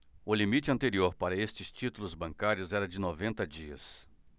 o limite anterior para estes títulos bancários era de noventa dias